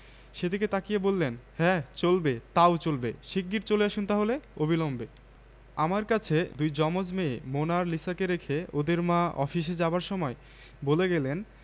সেদিকে তাকিয়ে বললেন হ্যাঁ চলবে তাও চলবে শিগগির চলে আসুন তাহলে অবিলম্বে আমার কাছে দুই জমজ মেয়ে মোনা আর লিসাকে রেখে ওদের মা অফিসে যাবার সময় বলে গেলেন